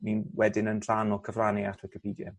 ni'n wedyn yn rhan o cyfrannu at wicipedia.